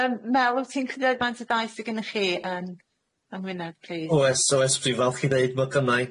Yym Mel w't ti'n ch'neud faint o dai sy gynnoch chi yn ym Wynedd plîs? Oes oes dwi falch i ddeud ma' gynnai.